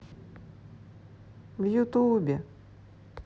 в ютубе